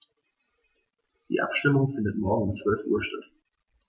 Die Abstimmung findet morgen um 12.00 Uhr statt.